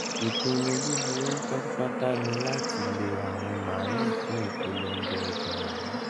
”Ipinnu buburu patapata ni lati lo awọn maalu fun ipolongo ọja yii.